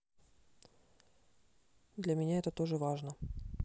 для меня это тоже важно